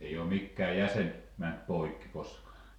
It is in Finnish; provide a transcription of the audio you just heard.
ei ole mikään jäsen mennyt poikki koskaan